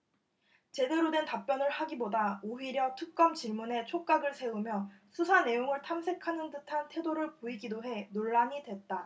제대로 된 답변을 하기보다 오히려 특검 질문에 촉각을 세우며 수사 내용을 탐색하는 듯한 태도를 보이기도 해 논란이 됐다